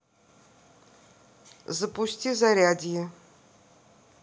запусти зарядье